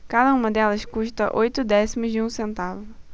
cada uma delas custa oito décimos de um centavo